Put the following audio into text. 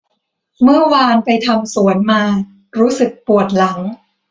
เมื่อวานไปทำสวนมารู้สึกปวดหลัง